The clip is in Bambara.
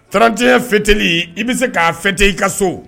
31 fêter li, i bɛ se k'a fêter i ka so.